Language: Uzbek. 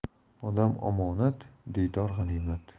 odam omonat diydor g'animat